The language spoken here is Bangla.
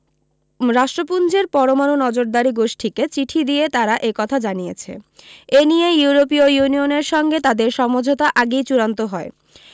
রাষ্ট্রপুঞ্জের পরমাণু নজরদারি গোষ্ঠীকে চিঠি দিয়ে তারা এ কথা জানিয়েছে এ নিয়ে ইউরোপীয় ইউনিয়নের সঙ্গে তাদের সমঝোতা আগেই চূড়ান্ত হয়